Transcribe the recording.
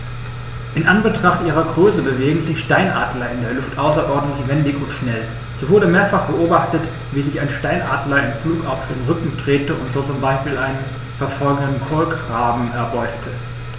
In Anbetracht ihrer Größe bewegen sich Steinadler in der Luft außerordentlich wendig und schnell, so wurde mehrfach beobachtet, wie sich ein Steinadler im Flug auf den Rücken drehte und so zum Beispiel einen verfolgenden Kolkraben erbeutete.